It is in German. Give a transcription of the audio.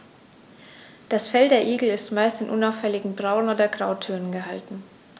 Das Fell der Igel ist meist in unauffälligen Braun- oder Grautönen gehalten.